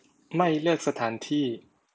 ไม่เลือกสถานที่